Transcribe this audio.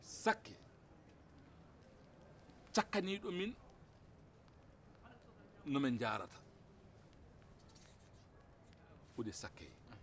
sake cakanindumin numɛn jarata o de ye sake ye